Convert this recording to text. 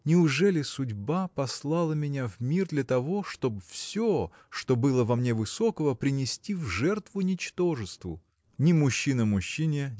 Неужели судьба послала меня в мир для того чтоб все что было во мне высокого принести в жертву ничтожеству? Ни мужчина мужчине